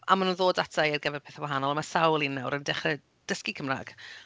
A maen nhw'n ddod ata i ar gyfer pethau wahanol, a mae sawl un nawr yn dechre dysgu Cymraeg.